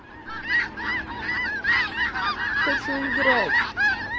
хочу играть